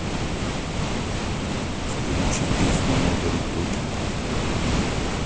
включи песню модерн токинг